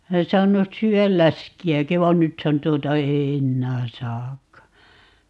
olen saanut syödä läskiäkin vaan nythän tuota ei enää saakaan